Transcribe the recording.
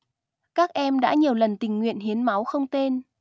các em đã nhiều lần tình nguyện hiến máu không tên